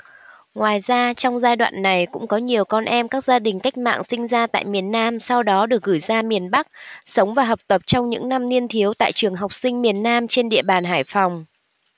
ngoài ra trong giai đoạn này cũng có nhiều con em các gia đình cách mạng sinh ra tại miền nam sau đó được gửi ra miền bắc sống và học tập trong những năm niên thiếu tại trường học sinh miền nam trên địa bàn hải phòng